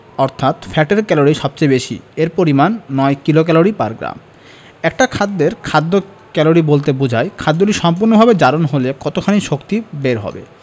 অর্থাৎ ফ্যাটের ক্যালরি সবচেয়ে বেশি এর পরিমান ৯ কিলোক্যালরি পার গ্রাম একটা খাদ্যের খাদ্য ক্যালোরি বলতে বোঝায় খাদ্যটি সম্পূর্ণভাবে জারণ হলে কতখানি শক্তি বের হবে